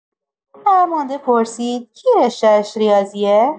فرمانده‌مون پرسید کی رشته‌اش ریاضیه؟